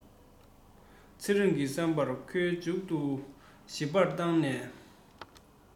ཚེ རིང གི བསམ པར ཁོས མཇུག ཏུ ཞིབ པར བཏང ནས